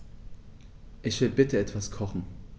Ich will bitte etwas kochen.